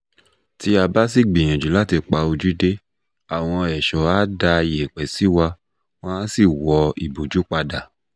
Tí a bá sì gbìyànjú láti pa ojú dé, àwọn ẹ̀ṣọ́ á da iyẹ̀pẹ̀ sí wa. Wọ́n á sì wọ ìbòjú padà.